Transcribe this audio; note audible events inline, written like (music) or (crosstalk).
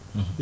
(hesitation) (hesitation)